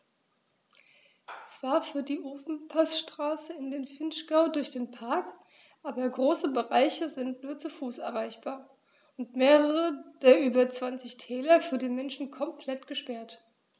Zwar führt die Ofenpassstraße in den Vinschgau durch den Park, aber große Bereiche sind nur zu Fuß erreichbar und mehrere der über 20 Täler für den Menschen komplett gesperrt.